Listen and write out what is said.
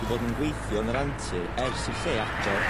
...'di bod yn gweithio yn y rantir ers i'r lle agor.